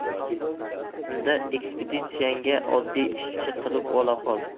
unda ekspeditsiyangga oddiy ishchi qilib ola qol